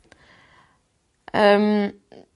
Yym n-...